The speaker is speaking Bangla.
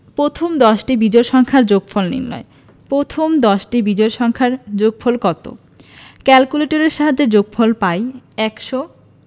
প্রথম দশটি বিজোড় সংখ্যার যোগফল নির্ণয় প্রথম দশটি বিজোড় সংখ্যার যোগফল কত ক্যালকুলেটরের সাহায্যে যোগফল পাই ১০০